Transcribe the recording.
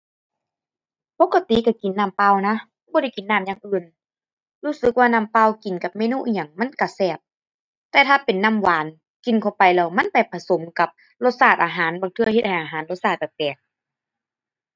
ปกติก็กินน้ำเปล่านะบ่ได้กินน้ำอย่างอื่น รู้สึกว่าน้ำเปล่ากินกับเมนูอิหยังมันก็แซ่บ แต่ถ้าเป็นน้ำหวานกินเข้าไปแล้วมันไปผสมกับรสชาติอาหารบางเทื่อเฮ็ดให้อาหารรสชาติแปลกแปลก